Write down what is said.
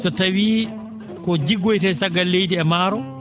so tawii ko jiggoytee caggal leydi e maaro